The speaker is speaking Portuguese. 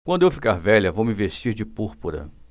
quando eu ficar velha vou me vestir de púrpura